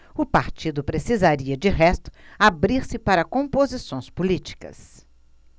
o partido precisaria de resto abrir-se para composições políticas